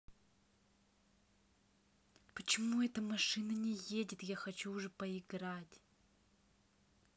почему эта машина не едет я хочу уже поиграть